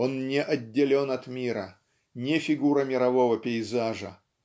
Он не отделен от мира, не фигура мирового пейзажа